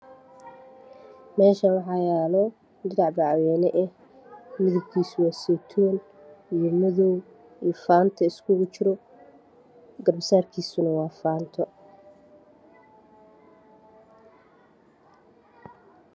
Meeshaan waxaa yaalo dirac bacwayne ah midabkiisu waa seytuun iyo madow, faanto iskugu jiro. Garbasaarkiisana waa faanto.